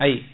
ayi